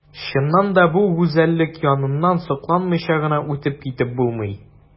Чыннан да бу гүзәллек яныннан сокланмыйча гына үтеп китеп булмый.